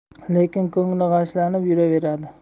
lekin ko'ngli g'ashlanib yuraveradi